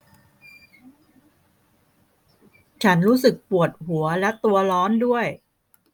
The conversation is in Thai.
ฉันรู้สึกปวดหัวและตัวร้อนด้วย